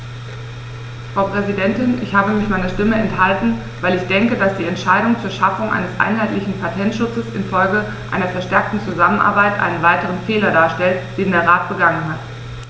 Frau Präsidentin, ich habe mich meiner Stimme enthalten, weil ich denke, dass die Entscheidung zur Schaffung eines einheitlichen Patentschutzes in Folge einer verstärkten Zusammenarbeit einen weiteren Fehler darstellt, den der Rat begangen hat.